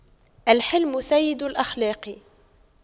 الحِلْمُ سيد الأخلاق